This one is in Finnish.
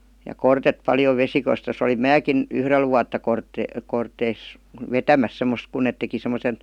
ja kortetta paljon -- olin minäkin yhdellä vuotta -- vetämässä semmoista kun ne teki semmoisen